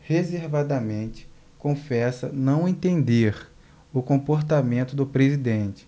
reservadamente confessa não entender o comportamento do presidente